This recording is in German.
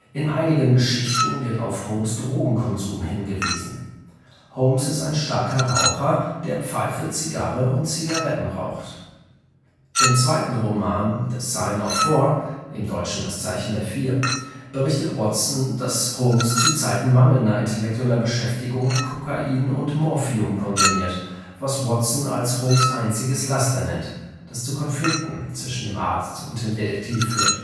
In einigen Geschichten wird auf Holmes’ Drogenkonsum hingewiesen. Holmes ist ein starker Raucher, der Pfeife, Zigarre und Zigaretten raucht. Im zweiten Roman The Sign of Four (dt. Das Zeichen der Vier) berichtet Watson, dass Holmes zu Zeiten mangelnder intellektueller Beschäftigung Kokain und Morphium konsumiert, was Watson als Holmes’ einziges Laster nennt, das zu Konflikten zwischen dem Arzt und dem Detektiv führt